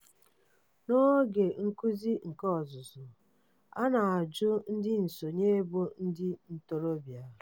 N'oge nkuzi nke ọzụzụ, a na-ajụ ndị nsonye bụ ndị ntorobia: